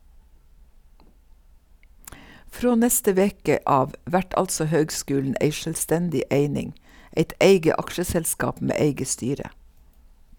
Frå neste veke av vert altså høgskulen ei sjølvstendig eining, eit eige aksjeselskap med eige styre.